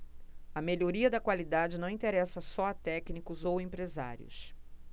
a melhoria da qualidade não interessa só a técnicos ou empresários